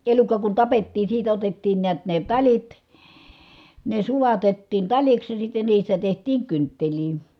elukka kun tapettiin siitä otettiin näet ne talit ne sulatettiin taliksi ja sitten niistä tehtiin kynttilöitä